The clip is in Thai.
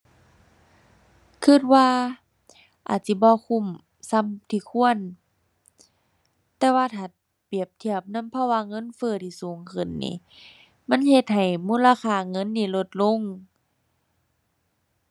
คิดว่าอาจสิบ่คุ้มส่ำที่ควร แต่ว่าถ้าเปรีบเทียบนำภาวะเงินเฟ้อที่สูงขึ้นนี้ มันเฮ็ดให้มูลค่าเงินนี่ลดลง